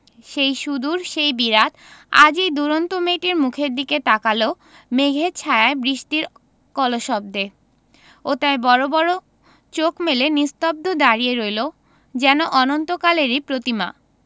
সেই সুদূর সেই বিরাট আজ এই দুরন্ত মেয়েটির মুখের দিকে তাকাল মেঘের ছায়ায় বৃষ্টির কলশব্দে ও তাই বড় বড় চোখ মেলে নিস্তব্ধ দাঁড়িয়ে রইল যেন অনন্তকালেরই প্রতিমা